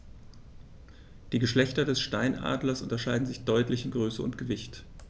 Die Geschlechter des Steinadlers unterscheiden sich deutlich in Größe und Gewicht.